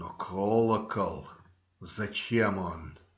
Но колокол - зачем он?